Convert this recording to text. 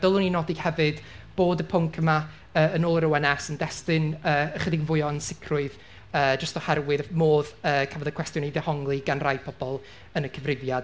Dylwn i nodi hefyd bod y pwnc yma yy yn ôl yr ONS yn destun yy ychydig fwy o ansicrwydd yy jyst oherwydd y modd yy cafodd y cwestiwn ei ddehongli gan rai pobl yn y cyfrifiad.